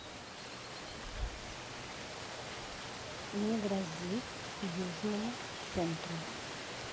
не грози южному центру